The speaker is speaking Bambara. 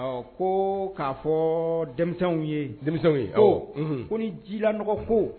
Ɔ ko k'a fɔ dɛw ye dɛw ye ɔ ko ni ji la nɔgɔ ko